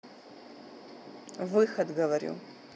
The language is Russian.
выход говорю